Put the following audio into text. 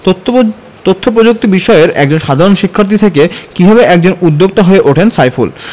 তথ্য তথ্যপ্রযুক্তি বিষয়ের একজন সাধারণ শিক্ষার্থী থেকে কীভাবে একজন উদ্যোক্তা হয়ে ওঠেন সাইফুল